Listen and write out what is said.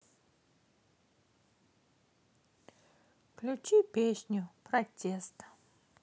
включи песню протест